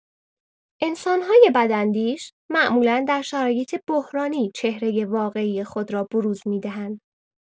انسان‌های بداندیش معمولا در شرایط بحرانی چهره واقعی خود را بروز می‌دهند.